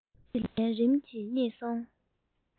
དྲིས ལན རིམ གྱིས རྙེད སོང